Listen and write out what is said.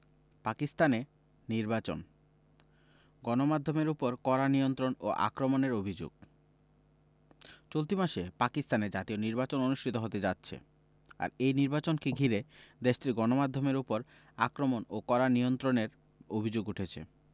পাকিস্তানে নির্বাচন গণমাধ্যমের ওপর কড়া নিয়ন্ত্রণ ও আক্রমণের অভিযোগ চলতি মাসে পাকিস্তানে জাতীয় নির্বাচন অনুষ্ঠিত হতে যাচ্ছে আর এই নির্বাচনকে ঘিরে দেশটির গণমাধ্যমের ওপর আক্রমণ ও কড়া নিয়ন্ত্রণের অভিযোগ উঠেছে